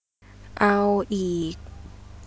เอาอีก